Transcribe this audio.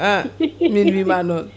an min wiima noon